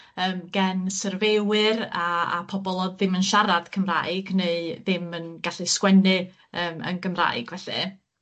yym gen syrfewyr a a pobol o'dd ddim yn siarad Cymraeg neu dim yn gallu sgwennu yym yn Gymraeg felly.